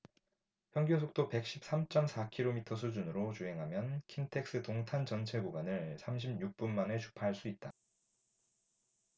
평균속도 백 십 삼 쩜 사 키로미터 수준으로 주행하면 킨텍스 동탄 전체 구간을 삼십 육 분 만에 주파할 수 있다